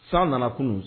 San nana kunun